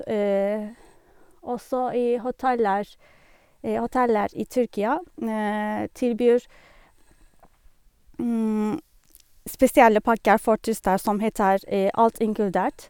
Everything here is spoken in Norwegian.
Også i hoteller hoteller i Tyrkia tilbyr spesielle pakker for turister som heter alt inkludert.